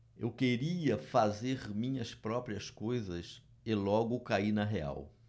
eu queria fazer minhas próprias coisas e logo caí na real